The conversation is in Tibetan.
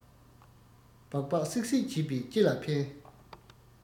སྦག སྦག གསིག གསིག བྱས པས ཅི ལ ཕན